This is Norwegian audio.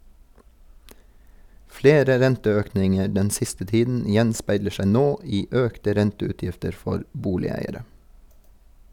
Flere renteøkninger den siste tiden gjenspeiler seg nå i økte renteutgifter for boligeiere.